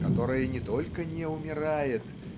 которое не только не умирает